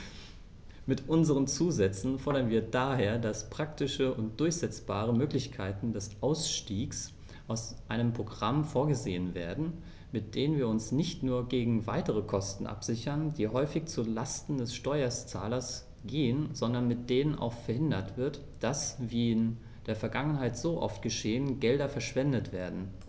Mit unseren Zusätzen fordern wir daher, dass praktische und durchsetzbare Möglichkeiten des Ausstiegs aus einem Programm vorgesehen werden, mit denen wir uns nicht nur gegen weitere Kosten absichern, die häufig zu Lasten des Steuerzahlers gehen, sondern mit denen auch verhindert wird, dass, wie in der Vergangenheit so oft geschehen, Gelder verschwendet werden.